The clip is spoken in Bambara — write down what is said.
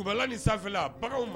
Dugbala ni sanfɛ bagan